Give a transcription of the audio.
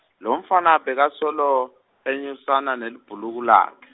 lomfana bekasolo, enyusana nelibhuluko lakhe.